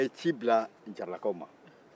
a ye ci bila jaaralakaw ma